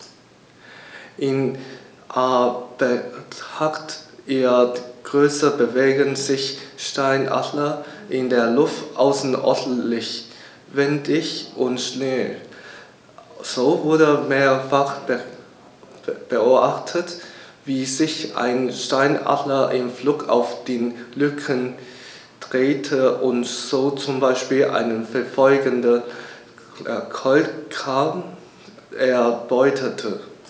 In Anbetracht ihrer Größe bewegen sich Steinadler in der Luft außerordentlich wendig und schnell, so wurde mehrfach beobachtet, wie sich ein Steinadler im Flug auf den Rücken drehte und so zum Beispiel einen verfolgenden Kolkraben erbeutete.